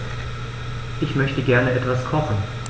Ich möchte gerne etwas kochen.